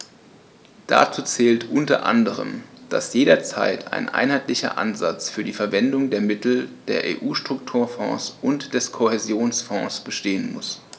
Dazu zählt u. a., dass jederzeit ein einheitlicher Ansatz für die Verwendung der Mittel der EU-Strukturfonds und des Kohäsionsfonds bestehen muss.